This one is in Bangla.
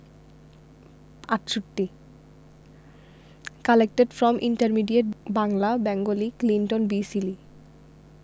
৬৮ collected from intermediate Bangla Bengali Clinton B Seely